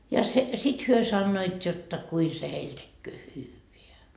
ja se sitten he sanoivat jotta kuinka se heille tekee hyvää